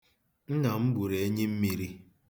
Nna m gburu enyimmiri.